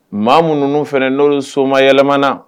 Maa mununu fana n' soma yɛlɛmana